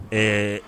Ee